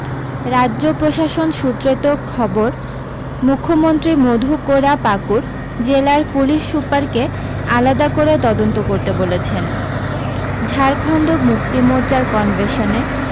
রাজ্য প্রশাসন সূত্রেত খবর মুখ্যমন্ত্রী মধু কোড়া পাকূড় জেলার পুলিশ সুপারকে আলাদা করে তদন্ত করতে বলেছেন ঝাড়খণ্ড মুক্তি মোর্চার কনভেশনে